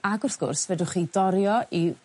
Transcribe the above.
Ag wrth gwrs fedrwch chi dorri o i